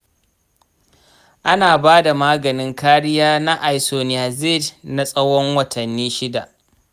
ana bada maganin kariya na isoniazid na tsawon watanni shida.